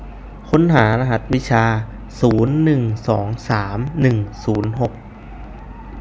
ค้นหารหัสวิชาศูนย์หนึ่งสองสามหนึ่งศูนย์หก